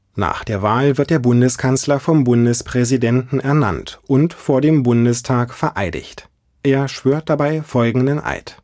Nach der Wahl wird der Bundeskanzler vom Bundespräsidenten ernannt und vor dem Bundestag vereidigt. Er schwört dabei folgenden Eid